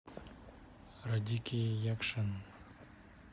радики якшин